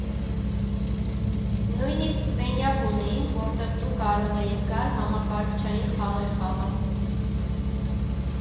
Նույնիսկ սենյակ ունեինք, որտեղ դու կարող էիր գալ համակարգչային խաղեր խաղալ։